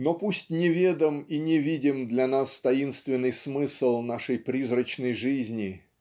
Но пусть неведом и невидим для нас таинственный смысл нашей призрачной жизни